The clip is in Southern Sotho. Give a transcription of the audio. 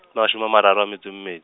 mashome a mararo a metso e mmed-.